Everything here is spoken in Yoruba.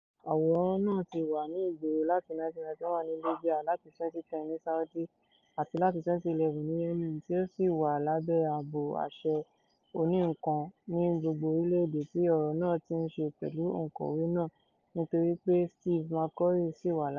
Àwòrán náà tí wà ní ìgboro láti 1991 ní Libya, láti 2010 ní Saudi, àti láti 2011 ní Yemen, tí ó sì wà lábẹ́ ààbò àṣẹ oní-nnkan ní gbogbo orílẹ̀ èdè tí ọ̀rọ̀ náà tí nii ṣe pẹ̀lú oǹkọ̀wé náà nítorí pé Steve McCurry ṣì wà láyé.